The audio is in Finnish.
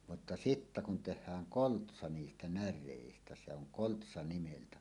mutta sitten kun tehdään koltsa niistä näreistä se on koltsa nimeltä